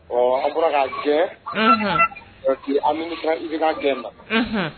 Ɔɔ an bɔra ka gɛn Unhun parceque an nimisala I B K gɛn ni na.